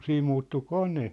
siinä muuttui kone